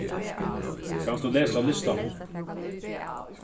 kanst tú lesa listan upp